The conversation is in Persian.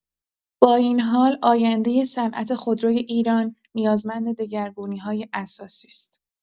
با این حال، آینده صنعت خودروی ایران نیازمند دگرگونی‌های اساسی است.